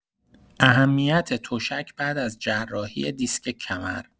اهمیت تشک بعد از جراحی دیسک کمر